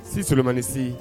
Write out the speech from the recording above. Si Solomani si